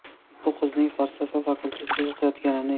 bu qizning falsafa fakultetida o'qiyotganini eshitgandim